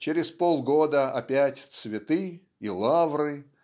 через полгода опять цветы и лавры